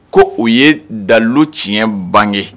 Ko o ye dalu tiɲɛɲɛ bange ye